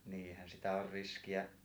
niinhän sitä on riskiä